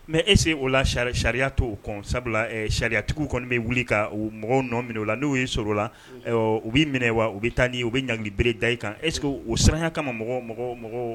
Mais est-ce que o la sariya t'o kɔn? Sabula sariyatigiw kɔni bɛ wili ka mɔgɔw nɔ minɛ o la, n'u y'i sôrô, o la ayiwa u bi taa n' i ye, u bɛ beere da I kan, est ce que o siranya kaman, mogow mɔgɔw mɔgɔw